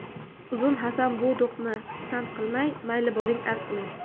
uzun hasan bu do'qni pisand qilmay mayli boring arz qiling